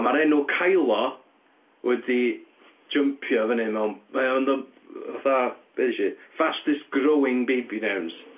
A mae'r enw Kylo wedi jympio fyny mewn... mae o'n y fatha, be ddeudais i, fastest-growing baby names.